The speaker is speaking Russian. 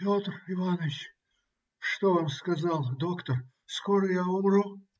-- Петр Иваныч, что вам сказал доктор? Скоро я умру?